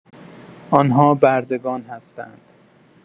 آنها بردگان هستند.